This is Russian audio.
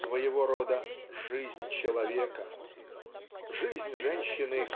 своего рода "Жизнь человека" жизнь женщины